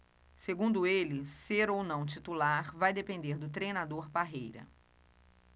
segundo ele ser ou não titular vai depender do treinador parreira